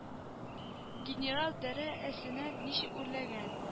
Генерал дәрә әсенә ничек үрләгән